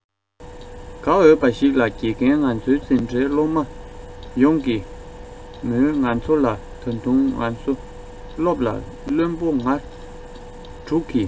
དགའ འོས པ ཞིག ལ དགེ རྒན ང ཚོའི འཛིན གྲྭའི སློབ མ ཡོངས ཀྱིས མོའི ང ཚོ ལ ད དུང ང ཚོའི སློབ ལ བརློན པ ང དྲུག གིས